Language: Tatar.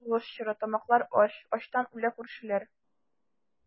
Сугыш чоры, тамаклар ач, Ачтан үлә күршеләр.